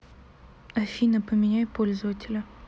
афина поменяй пользователя